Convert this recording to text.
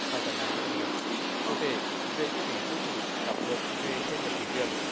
tạo gánh nặng cho doanh nghiệp cụ thể về chi phí tuân thủ pháp luật về gia nhập thị trường